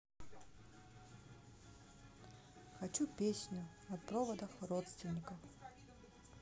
хочу песню на проводах родственников